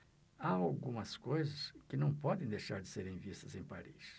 há algumas coisas que não podem deixar de serem vistas em paris